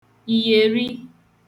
ìyèri